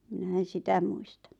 minä en sitä muista